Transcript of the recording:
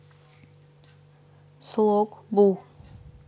слог бу